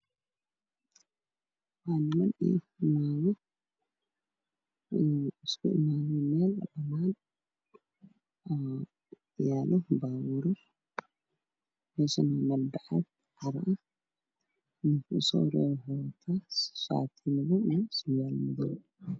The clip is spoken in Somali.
Waa niman iyo naago iskugu imaaday meel waxaa yaalo baabuur waana meel bacaad carro ah ninka ugu soo horeeyo waxuu wataa shaati madow iyo surwaal madow ah.